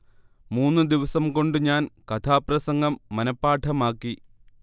മൂന്നു ദിവസം കൊണ്ടു ഞാൻ കഥാപ്രസംഗം മനഃപാഠമാക്കി